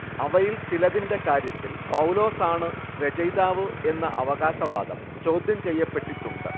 അവയിൽ ചിലതിന്റെ കാര്യത്തിൽ പൗലോസാണു രചയിതാവ് എന്ന അവകാശവാദം ചോദ്യംചെയ്യപ്പെട്ടിട്ടുണ്ട്